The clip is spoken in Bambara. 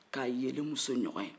k'a yelen n muso ɲɔgɔn ye